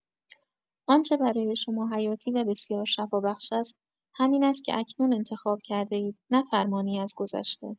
آنچه برای شما حیاتی و بسیار شفابخش است، همین است که اکنون انتخاب کرده‌اید، نه فرمانی از گذشته.